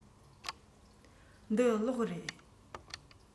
འདི གློག རེད